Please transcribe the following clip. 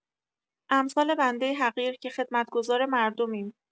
امثال بنده حقیر که خدمتگزار مردمیم.